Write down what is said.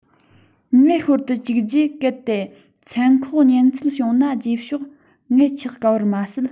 མངལ ཤོར དུ བཅུག རྗེས སུ གལ ཏེ མཚང ཁོག གཉན ཚད བྱུང ན རྗེས ཕྱོགས མངལ ཆགས དཀའ བར མ ཟད